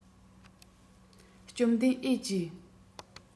བཅོམ ལྡན འས ཀྱིས